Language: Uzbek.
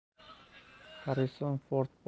xarrison ford bosh rolni ijro etgan